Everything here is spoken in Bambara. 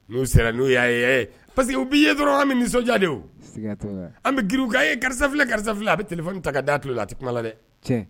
N'u sera n'u y'a ye pa que u b'i ye dɔrɔn nisɔndiya de an a ye karisa fila karisa fila a bɛ ta ka datu la a tɛ kuma dɛ